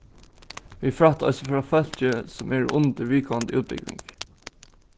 vit frætta eisini frá fólki sum eru undir viðkomandi útbúgving